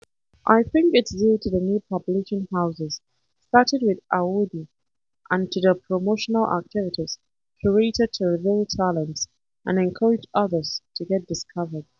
MKH: I think it's due to the new publishing houses, starting with Awoudy, and to the promotional activities curated to reveal talents and encourage others to get discovered.